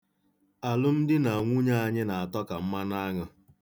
Alụm di na nwunye anyị na-atọ ka mmanụaṅụ.